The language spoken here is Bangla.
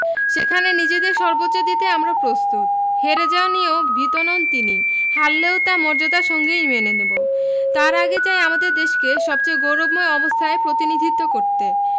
সেখানে নিজেদের সর্বোচ্চ দিতে আমরা প্রস্তুত হেরে যাওয়া নিয়েও ভীত নন তিনি হারলেও তা মর্যাদার সঙ্গেই মেনে নেব তার আগে চাই আমাদের দেশকে সবচেয়ে গৌরবময় অবস্থায় প্রতিনিধিত্ব করতে